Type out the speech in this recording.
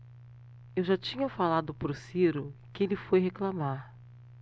eu já tinha falado pro ciro que ele foi reclamar